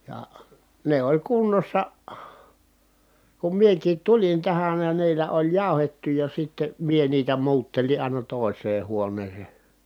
ja ne oli kunnossa kun minäkin tulin tähän ja niillä oli jauhettu ja sitten minä niitä muuttelin aina toiseen huoneeseen